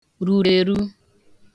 rùrù ērū